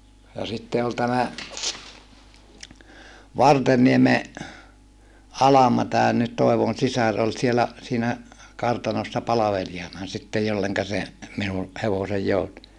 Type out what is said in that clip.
ja sitten oli tämä Vartenniemen Alma tämän nyt Toivon sisar oli siellä siinä kartanossa palvelijana sitten jolle se minun hevoseni joutui